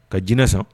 Ka jinɛ san